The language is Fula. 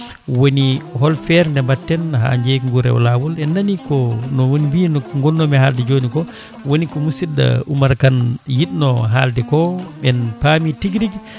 woni hol feere nde mbatten ha jeygu ngu rewa lawol en nani ko no en mbino ko gonnomi e haalde joni ko woni ko musidɗo Oumar Kane yidno haalde ko en paami tigui rigui